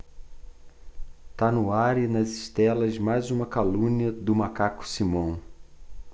tá no ar e nas telas mais uma calúnia do macaco simão